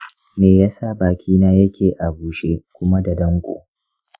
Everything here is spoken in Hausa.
me yasa bakina ya ke a bushe kuma da danƙo?